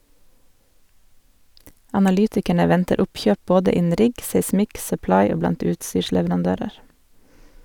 Analytikerne venter oppkjøp både innen rigg, seismikk, supply og blant utstyrsleverandører.